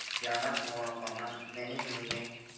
Янына кунакланган нәни миңе